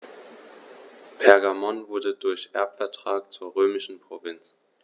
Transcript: Pergamon wurde durch Erbvertrag zur römischen Provinz.